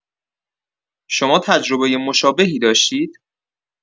شما تجربۀ مشابهی داشتید؟